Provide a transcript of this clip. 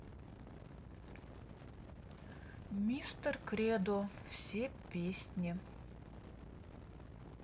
мистер кредо все песни